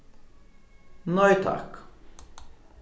nei takk